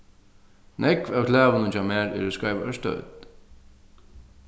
nógv av klæðunum hjá mær eru í skeivari stødd